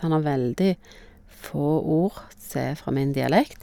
Han har veldig få ord som er fra min dialekt.